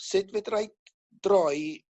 sut fedrai droi